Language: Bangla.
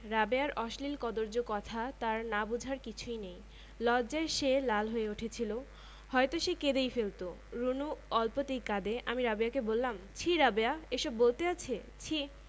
রাবেয়া বললো আমি আবার বলবো বেশ কি হয় বললে আমি কাতর গলায় বললাম সে ভারী লজ্জা রাবেয়া এটা খুব একটা লজ্জার কথা তবে যে ও আমাকে বললো কে